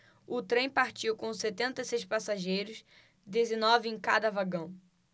o trem partiu com setenta e seis passageiros dezenove em cada vagão